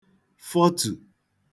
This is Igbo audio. fọtù